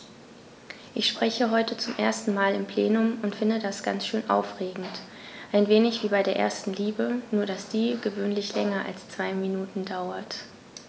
Ich spreche heute zum ersten Mal im Plenum und finde das ganz schön aufregend, ein wenig wie bei der ersten Liebe, nur dass die gewöhnlich länger als zwei Minuten dauert.